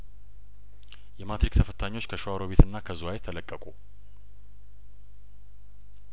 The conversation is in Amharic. የማትሪክ ተፈታኞች ከሸዋሮቢትና ከዝዋይ ተለቀቁ